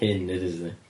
Hyn dedes di.